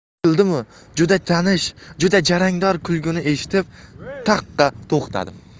keldimu juda tanish juda jarangdor kulgini eshitib taqqa to'xtadim